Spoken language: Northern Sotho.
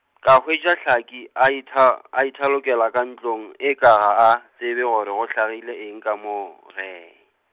ka hwetša Tlhaka a itha-, a ithalokela ka ntlong, e ka ga a, tsebe gore go hlagile eng ka moo gee.